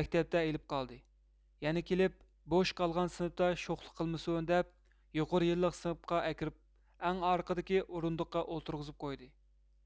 مەكتەپتە ئېلىپ قالدى يەنە كېلىپ بوش قالغان سىنىپتا شوخلۇق قىلمىسۇن دەپ يۇقىرى يىللىق سىنىپقا ئەكىرىپ ئەڭ ئارقىدىكى ئورۇندۇققا ئولتۇرغۇزۇپ قويدى